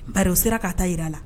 Ba o sera k'a ta jira a la